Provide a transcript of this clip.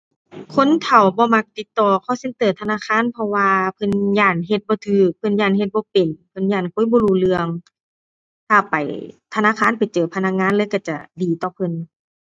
คนเฒ่าบ่มักติดต่อ call center ธนาคารเพราะว่าเพิ่นย้านเฮ็ดบ่ถูก เพิ่นย้านเฮ็ดบ่เป็น เพิ่นย้านคุยบ่รู้เรื่อง ถ้าไปธนาคารไปเจอพนักงานเลยถูกจะดีต่อเพิ่น